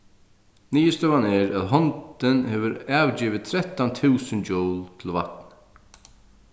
niðurstøðan er at hondin hevur avgivið trettan túsund joule til vatnið